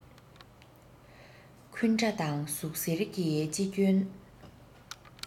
འཁུན སྒྲ དང ཟུག གཟེར གྱིས ཅི སྐྱོན